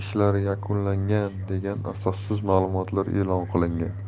ishlari yakunlandi degan asossiz ma'lumotlar e'lon qilingan